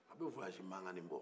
a bɛ taama mankan ni bɔ